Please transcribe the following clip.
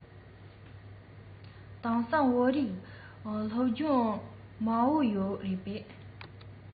དེང སང བོད ཡིག སྦྱོང མཁན མང པོ ཡོད རེད པས